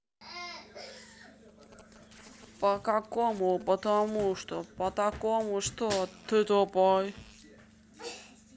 по какому потому что по такому что ты тупой